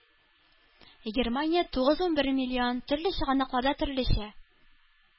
Германия – тугыз-унбер миллион төрле чыганакларда төрлечә